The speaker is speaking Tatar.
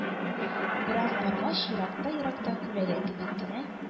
Бераз баргач, еракта-еракта күләгә кебек кенә